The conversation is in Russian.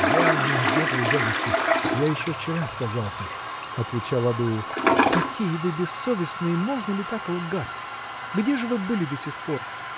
– Я не обедал у дядюшки, я еще вчера отказался, – отвечал Адуев. – Какие вы бессовестные! Можно ли так лгать? Где ж вы были до сих пор?